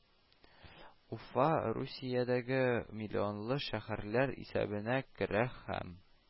Уфа Русиядәге миллионлы шәһәрләр исәбенә керә һәм